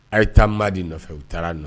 Aw ye taa maa de nɔfɛ u taara nɔ na